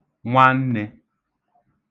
nwannē